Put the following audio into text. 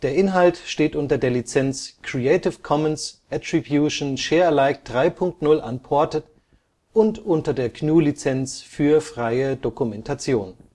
Inhalt steht unter der Lizenz Creative Commons Attribution Share Alike 3 Punkt 0 Unported und unter der GNU Lizenz für freie Dokumentation